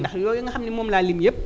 ndax yooyu nga xam ni moom laa lim yëpp